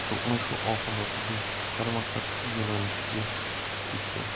to'qnashuv oqibatida qarama qarshi yo'nalishga chiqib ketgan